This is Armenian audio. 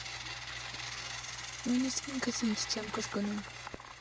Նույնիսկ ինքս ինձ չեմ կրկնում։